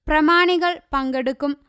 പ്രമാണികൾ പങ്കെടുക്കും